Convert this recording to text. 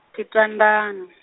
Tshitandani .